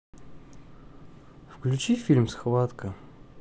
включи фильм схватка